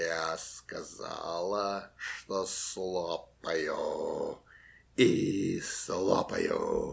- Я сказала, что слопаю, и слопаю!